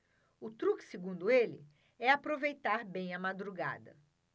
o truque segundo ele é aproveitar bem a madrugada